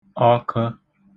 ọkə̣